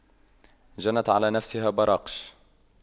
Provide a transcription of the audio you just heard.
جنت على نفسها براقش